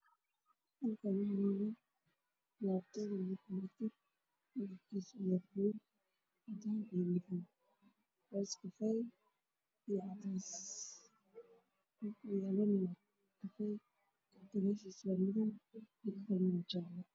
Walaabto midabkiisu yahay madow caddaan waa uu daaran yahay miis ayuu saaran yahay